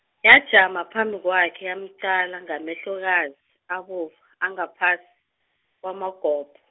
yajama phambi kwakhe yamqala ngamehlokazi, abovu angaphasi, kwamagobh- .